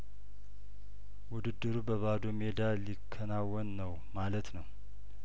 ውድድሩ በባዶ ሜዳ ሊከናወን ነው ማለት ነው